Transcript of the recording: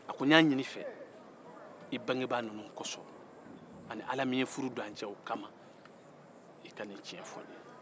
a ko n y'a ɲin'i fɛ i bangabaa ninnu kɔsɔ ala min ye furu don an cɛ o kama i ka nin tiɲɛn fɔ n ye